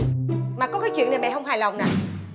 mà có cái chuyện này mẹ không hài lòng nà